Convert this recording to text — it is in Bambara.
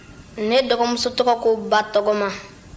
ne dɔgɔmuso tɔgɔ ko batɔgɔma